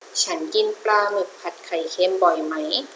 ฉันกินปลาหมึกผัดไข่เค็มบ่อยไหม